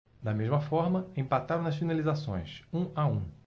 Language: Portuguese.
da mesma forma empataram nas finalizações um a um